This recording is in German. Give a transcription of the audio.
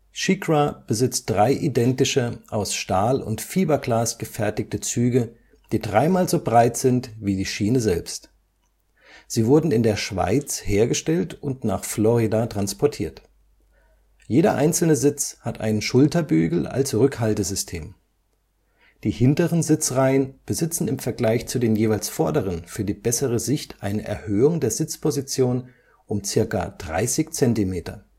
SheiKra besitzt drei identische, aus Stahl und Fiberglas gefertigte Züge, die dreimal so breit sind wie die Schiene selbst. Sie wurden in der Schweiz hergestellt und nach Florida transportiert. Jeder einzelne Sitz hat einen Schulterbügel als Rückhaltesystem. Die hinteren Sitzreihen besitzen im Vergleich zu den jeweils vorderen für die bessere Sicht eine Erhöhung der Sitzposition um ca. 30 Zentimeter